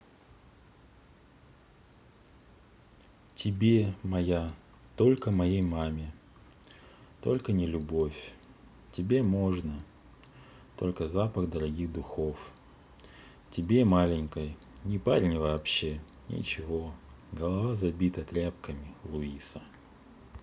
тебе моя только моей маме только не любовь тебе можно только запах дорогих духов тебе маленькой не парень вообще ничего голова забита тряпками луиса